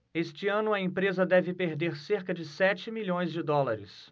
este ano a empresa deve perder cerca de sete milhões de dólares